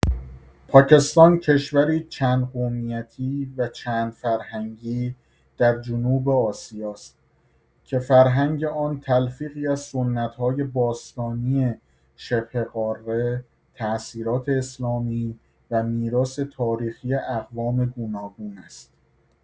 پاکستان کشوری چندقومیتی و چندفرهنگی در جنوب آسیاست که فرهنگ آن تلفیقی از سنت‌های باستانی شبه‌قاره، تأثیرات اسلامی و میراث تاریخی اقوام گوناگون است.